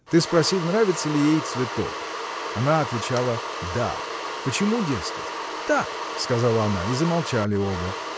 Ты спросил, нравится ли ей цветок; она отвечала да; почему, дескать? Так – сказала она и замолчали оба